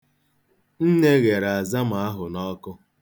Nne ghere azama ahụ n'ọkụ.